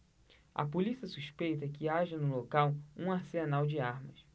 a polícia suspeita que haja no local um arsenal de armas